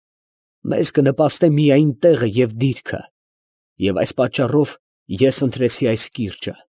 Մեզ կնպաստե միայն տեղը և դիրքը, և այս պատճառով ես ընտրեցի այս կիրճը։